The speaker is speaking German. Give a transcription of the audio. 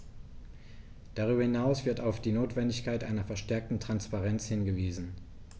Darüber hinaus wird auf die Notwendigkeit einer verstärkten Transparenz hingewiesen.